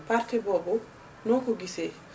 partie boobu noo ko gisee